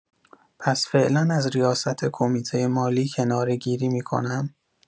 پس فعلا از ریاست کمیته مالی کناره‌گیری می‌کنم؟